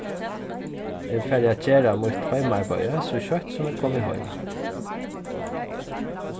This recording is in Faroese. eg fari at gera mítt heimaarbeiði so skjótt sum eg komi heim